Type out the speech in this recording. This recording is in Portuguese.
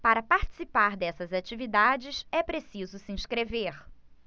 para participar dessas atividades é preciso se inscrever